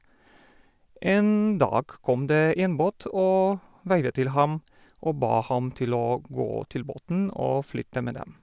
En dag kom det en båt og veivet til ham og ba ham til å gå til båten og flytte med dem.